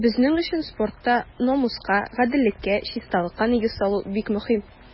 Безнең өчен спортта намуска, гаделлеккә, чисталыкка нигез салу бик мөһим.